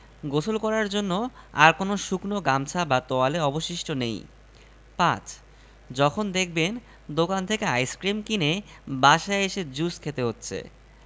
ঢোকা বেশির ভাগ লোকের আসলে এটিএম কার্ডই নেই ৩. যখন দেখবেন শার্টের ওপরের দুটি বোতাম খোলা রাখলেও মুরব্বিরা রাগ করছেন না ৪. যখন দেখবেন